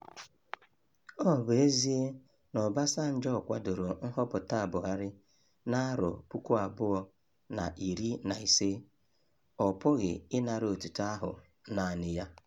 Ọ bụ ezie na Obasanjo kwadoro nhọpụta Buhari na 2015, ọ pụghị ịnara otito ahụ naanị ya.